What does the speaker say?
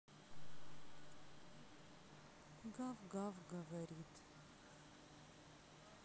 гав гав говорит